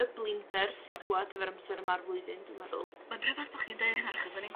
y blinder sy'n dŵad efo'r amser yma'r flwyddyn dwi'n meddwl. Mae'n rhyfadd bo' chi'n deu hynna achos o'n i'n